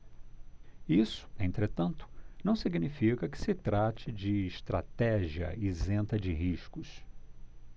isso entretanto não significa que se trate de estratégia isenta de riscos